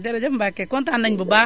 jërëjëf Mbacke kontaan nañu bu baax